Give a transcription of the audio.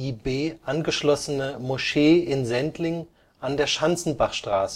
DİTİB angeschlossene Moschee in Sendling in der Schanzenbachstraße